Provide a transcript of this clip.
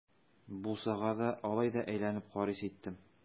Бусагада алай да әйләнеп карыйсы иттем.